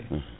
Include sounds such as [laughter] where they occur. [hesitation] [hesitation]